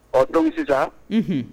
Ɔ dɔnkili h